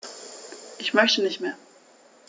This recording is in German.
Ich möchte nicht mehr.